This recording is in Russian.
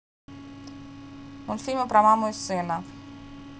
мультфильмы про маму и сына